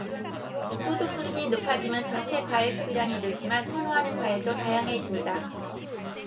소득 수준이 높아지면 전체 과일 소비량이 늘지만 선호하는 과일도 다양해진다